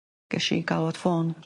gesh i galwad ffôn